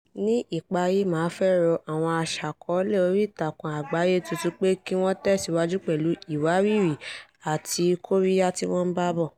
Ní ìparí, màá fẹ́ rọ àwọn aṣàkọọ́lẹ̀ oríìtakùn àgbáyé tuntun pé kí wọ́n tẹ̀síwájú pẹ̀lú ìwárìrì àti kóríyá tí wọ́n ń bá bọ̀.